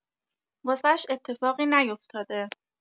واسش اتفاقی نیافتاده